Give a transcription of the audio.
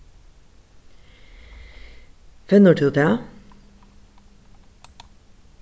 finnur tú tað